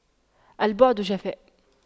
البعد جفاء